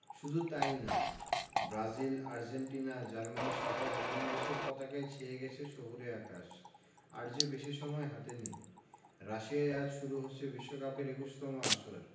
শুধু তা ই নয় ব্রাজিল আর্জেন্টিনা জার্মানিসহ নানান দেশের পতাকায় ছেয়ে গেছে শহুরে আকাশ আর যে বেশি সময় হাতে নেই রাশিয়ায় আজ শুরু হচ্ছে বিশ্বকাপের ২১তম আসর